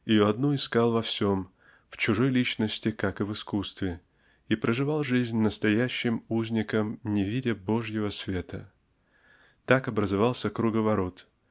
ее одну искал во всем--в чужой личности как и в искусстве и проживал жизнь настоящим узником не видя Божьего света. Так образовался круговорот